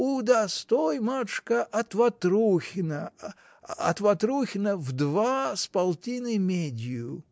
Удостой, матушка, от Ватрухина, от Ватрухина — в два с полтиной медью!